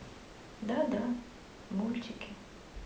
да да мультики